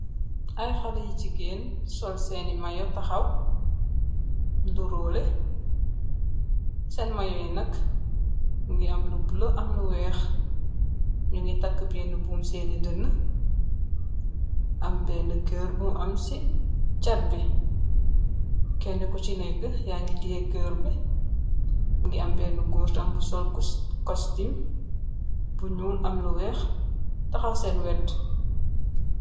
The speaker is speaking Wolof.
Ay xale yu jigeen, sol senni mayo taxaw nirole, sen mayo yi nak mingi am lu bula am lu weex, nyingi tek bene bum senni danne, am bene kaar bum am si catbi, kenne ku ci neke yagi tiye kaar bi, mingi am bene goor tam bu sol kostin bu nyuul am lu weex taxaw sen wet.